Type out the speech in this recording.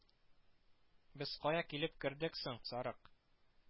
Без кая килеп кердек соң, Сарык